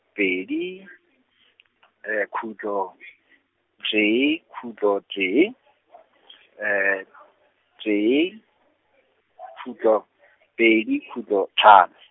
pedi , khutlo, tee, khutlo tee , tee, khutlo, pedi, khutlo, tlhano.